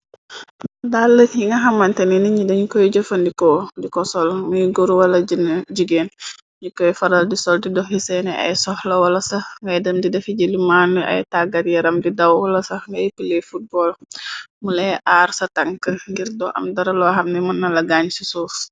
Dall yi nga xamante nin ñi dañu koy jëfandikoo di ko sol muy goor wala jigeen, ñi koy faral di soldi doxiseene ay soxla wala sax ngay dem di dafi jilu màanu ay taggat yaram, di wala sax ngayippli footbol, mulae aar sa tank ngir dox am daraloo xamni mën na la gaañ ci suuf.